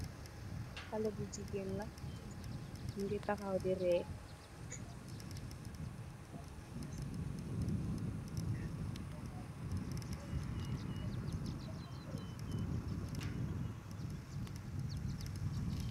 Haleh bu jigeen la mogi taxaw di reer.